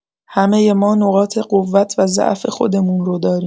همۀ ما نقاط قوت و ضعف خودمون رو داریم.